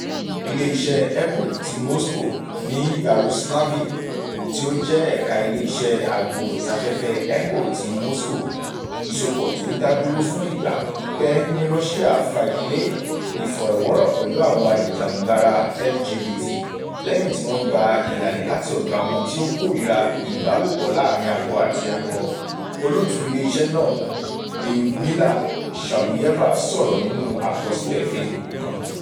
Ilé-iṣẹ́ Echo ti Moscow ní Yaroslavl tí ó jẹ́ ẹ̀ka ilé-iṣẹ́ Agbóhùnsáfẹ́fẹ́ Echo ti Moscow ìsopọ̀ tí ó ti dá dúró fún ìgbà pípẹ́ ní Russia fagi lé ìfọ̀rọ̀wọ́rọ̀ pẹ̀lú àwọn ajìjàǹgbara LGBT lẹ́yìn tí wọ́n gba ìhalẹ̀ láti ọ̀dọ̀ àwọn tí ó kórìíra-ìbálòpọ̀-láàárín-akọ-àti-akọ, olóòtú ilé-iṣẹ́ náà Lyudmila Shabuyeva sọ̀rọ̀ nínú àkọsílẹ̀ Facebook kan: